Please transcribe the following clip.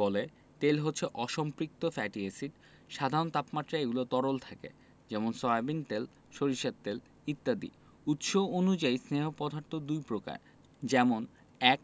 বলে তেল হচ্ছে অসম্পৃক্ত ফ্যাটি এসিড সাধারণ তাপমাত্রায় এগুলো তরল থাকে যেমন সয়াবিন তেল সরিষার তেল ইত্যাদি উৎস অনুযায়ী স্নেহ পদার্থ দুই প্রকার যেমন ১